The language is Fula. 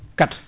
4